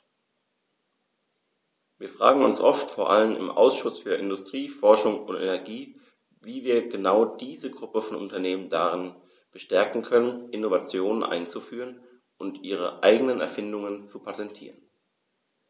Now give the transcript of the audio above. Wir fragen uns oft, vor allem im Ausschuss für Industrie, Forschung und Energie, wie wir genau diese Gruppe von Unternehmen darin bestärken können, Innovationen einzuführen und ihre eigenen Erfindungen zu patentieren.